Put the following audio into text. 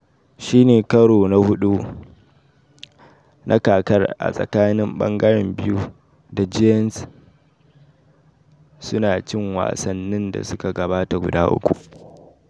Shi ne karo na hudu na kakar a tsakanin bangare biyun, da Giants su na cin wassannin da suka gabata guda uku.